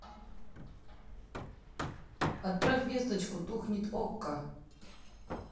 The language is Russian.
отправь весточку тухнет okko